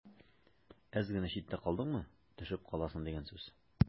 Әз генә читтә калдыңмы – төшеп каласың дигән сүз.